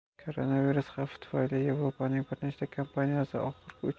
koronavirus xavfi tufayli yevropaning bir nechta kompaniyasi